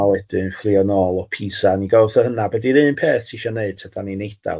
A wedyn fflio nôl o Pisa a ni'n gal fatha hynna be di'r un peth ti isio wneud tra da ni'n Eidal?